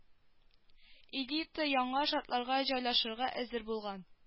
Элита яңа шарталарга җайлашырга әзер булган